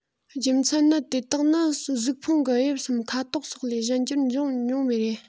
རྒྱུ མཚན ནི དེ དག ནི གཟུགས ཕུང གི དབྱིབས སམ ཁ དོག སོགས ལས གཞན འགྱུར འབྱུང ཉུང བས རེད